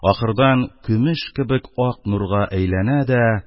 Ахырдан көмеш кебек ак нурга әйләнә дә,